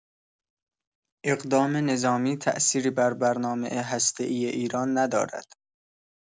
اقدام نظامی تاثیری بر برنامه هسته‌ای ایران ندارد.